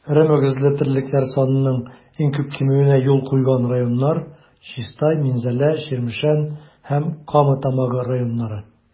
Эре мөгезле терлекләр санының иң күп кимүенә юл куйган районнар - Чистай, Минзәлә, Чирмешән һәм Кама Тамагы районнары.